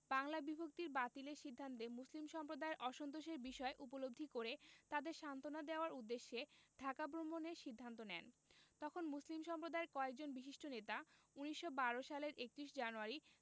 বাংলা বিভক্তি বাতিলের সিদ্ধান্তে মুসলিম সম্প্রদায়ের অসন্তোষের বিষয় উপলব্ধি করে তাদের সান্ত্বনা দেওয়ার উদ্দেশ্যে ঢাকা ভ্রমণের সিদ্ধান্ত নেন তখন মুসলিম সম্প্রদায়ের কয়েকজন বিশিষ্ট নেতা ১৯১২ সালের ৩১ জানুয়ারি